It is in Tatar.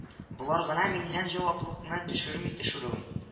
Болар гына миннән җаваплылыкны төшерми төшерүен